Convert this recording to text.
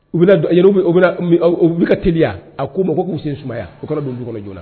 U u bɛ ka teliya a ko mako k'u sen sumaya u kɛra don dugu bɛ na